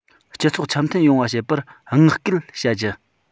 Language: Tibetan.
སྤྱི ཚོགས འཆམ མཐུན ཡོང བ བྱེད པར བསྔགས སྐུལ བྱ རྒྱུ